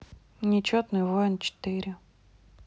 нечетный воин четыре